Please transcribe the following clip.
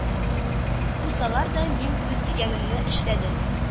Кусалар да мин үз дигәнемне эшләдем